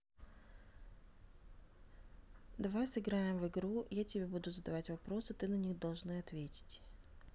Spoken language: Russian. давай сыграем в игру я тебе буду задавать вопросы ты на них должны ответить